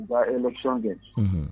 U ba e fɛn kɛ